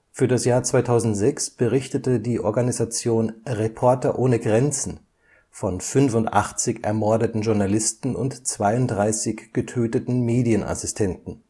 Für das Jahr 2006 berichtete die Organisation Reporter ohne Grenzen von 85 ermordeten Journalisten und 32 getöteten Medienassistenten